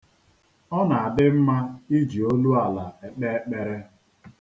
Ọ na-adị mma iji oluala ekpe ekpere.